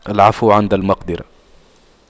العفو عند المقدرة